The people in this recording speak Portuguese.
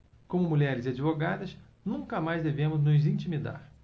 como mulheres e advogadas nunca mais devemos nos intimidar